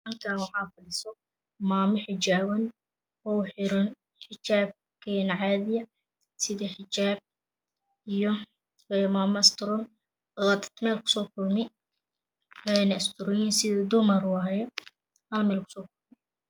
Halkan waxa fashion mamo uxiran xijaab waxaakala joga dumarkala ku kulmen halmeel